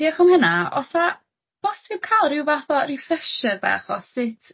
Diolch am hwnna. O's 'a bosib ca'l ryw fath o refresher bach o sud